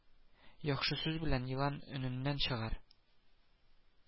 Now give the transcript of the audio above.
Яхшы сүз белән елан өненнән чыгар